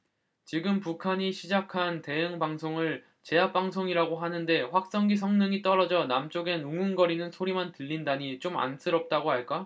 지금 북한이 시작한 대응 방송을 제압방송이라고 하는데 확성기 성능이 떨어져 남쪽엔 웅웅거리는 소리만 들린다니 좀 안쓰럽다고 할까